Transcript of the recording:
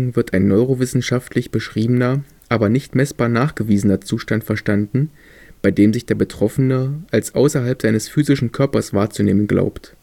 wird ein neurowissenschaftlich beschriebener, aber nicht messbar nachgewiesener Zustand verstanden, bei dem sich der Betroffene als außerhalb seines physischen Körpers wahrzunehmen glaubt